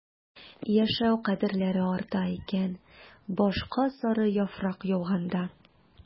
Яшәү кадерләре арта икән башка сары яфрак яуганда...